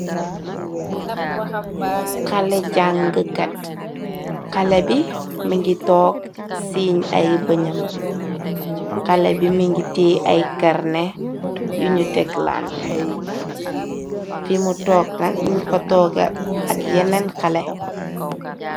Xale jàngkat xalé bi mi ngi toog siiñ ay bëñam. Xalé bi mi ngi tii ay karne yuñu teg lante fimu toog na. Mingi fa tooge ak yenen xalé.